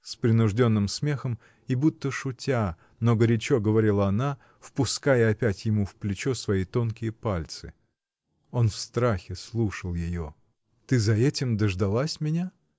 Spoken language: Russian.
— с принужденным смехом и будто шутя, но горячо говорила она, впуская опять ему в плечо свои тонкие пальцы. Он в страхе слушал ее. — Ты за этим дождалась меня?